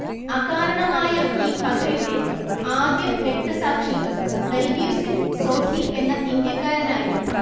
അകാരണമായ ഈ പകയുടെ ആദ്യ രക്തസാക്ഷി ബൽബീർ സിംഗ് സോധി എന്ന ഇന്ത്യക്കാരനായിരുന്നു